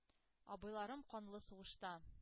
Абыйларым канлы сугышта